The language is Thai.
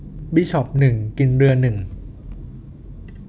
บิชอปหนึ่งกินเรือหนึ่ง